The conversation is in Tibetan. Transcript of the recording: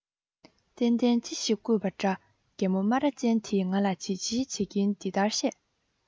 གཏན གཏན ཅི ཞིག བརྐུས པ འདྲ རྒད པོ སྨ ར ཅན དེས ང ལ བྱིལ བྱིལ བྱེད ཀྱིན འདི ལྟར བཤད